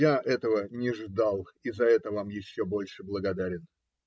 Я этого не ждал и за это вам еще больше благодарен.